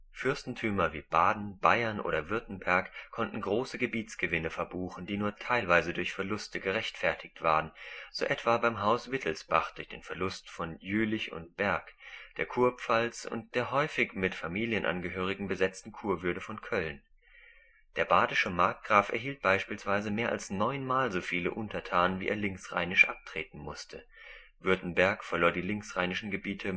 Fürstentümer wie Baden, Bayern oder Württemberg konnten große Gebietsgewinne verbuchen, die nur teilweise durch Verluste gerechtfertigt waren, so etwa beim Haus Wittelsbach durch den Verlust von Jülich und Berg, der Kurpfalz und der häufig mit Familienangehörigen besetzten Kurwürde von Köln. Der badische Markgraf erhielt beispielsweise mehr als neunmal so viele Untertanen, wie er linksrheinisch abtreten musste. Württemberg verlor die linksrheinischen Gebiete